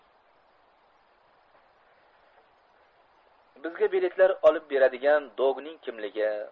bizga biletlar olib beradigan dogning kimligi